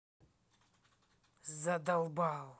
задолбал